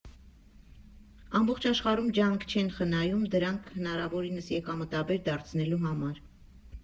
Ամբողջ աշխարհում ջանք չեն խնայում դրանք հնարավորինս եկամտաբեր դարձնելու համար։